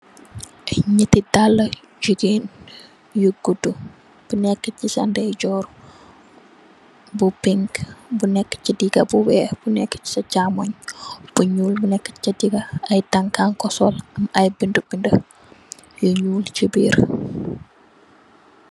Ñetti dalli jigeen yu guddu bu nekka ci sa ndeyjoor bu pink, bu nekka ci digga bu wèèx , bu nekka ci sa caaymoy bu ñuul, bu nèkka ci digaay tanka ka ko sol ay bindé bindé yu ñuul ci biir.